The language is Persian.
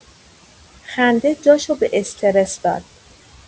خنده جاشو به استرس داد.